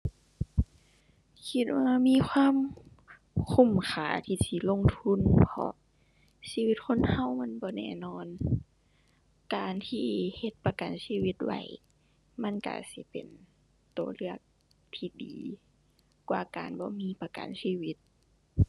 คิดว่ามีความคุ้มค่าที่สิลงทุน เพราะชีวิตคนเรามันบ่แน่นอน การที่เฮ็ดประกันชีวิตไว้มันเราสิเป็นเราเลือกที่ดีกว่าการบ่มีประกันชีวิต